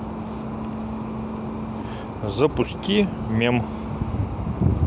запусти мем